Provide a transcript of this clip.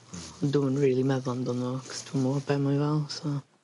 Hmm. Ond dw'm yn rili meddwl amdano fo 'c'os dw'mo be' mae 'i fel so.